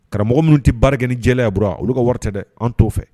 Karamɔgɔ minnu tɛ baara kɛ ni jɛ bu olu ka wari tɛ dɛ an t' fɛ